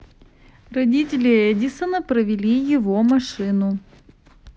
родители эдисона провели его машину